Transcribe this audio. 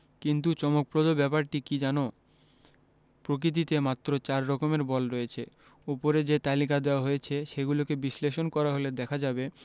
কিন্তু চমকপ্রদ ব্যাপারটি কী জানো প্রকৃতিতে মাত্র চার রকমের বল রয়েছে ওপরে যে তালিকা দেওয়া হয়েছে সেগুলোকে বিশ্লেষণ করা হলে দেখা যাবে